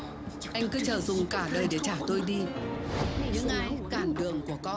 anh cứ chờ dùng cả đời để trả tôi đi những ai cản đường của con